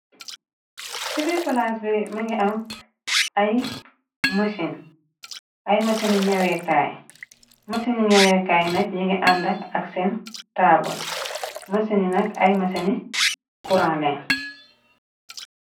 Civil palaas bi mëngi am ay mëshin, ay masani ñaweekaay, mëseni ñaweekaay nak ñingi àndak ak seen taabon, më sani nak ay ma sani kuranliin.